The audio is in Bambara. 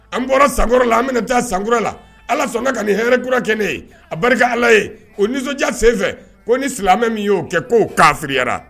An bɔra sankɔrɔ la an bɛna taa sankura la ala sɔnna ka ka nin hɛkkura kɛ ne ye a barika ala ye o nisɔndiya senfɛ ko ni silamɛmɛ min y'o kɛ k'o k'a filiyayara